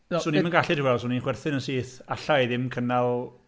'Swn i ddim yn gallu, ti'n gweld. 'Swn ni'n chwerthin yn syth. Alla i ddim cynnal...